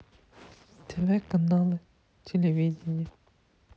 тв каналы телевидение